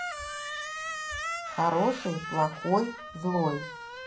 хороший плохой злой